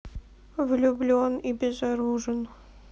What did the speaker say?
влюблен и безоружен